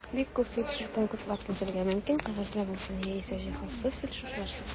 Бик күп фельдшер пунктлары төзергә мөмкин (кәгазьдә булсын яисә җиһазсыз, фельдшерларсыз).